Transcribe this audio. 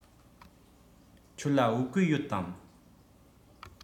ཁྱོད ལ བོད གོས ཡོད དམ